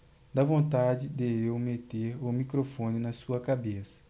dá vontade de eu meter o microfone na sua cabeça